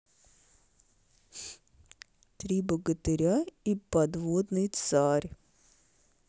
три богатыря и подводный царь